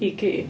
I ci?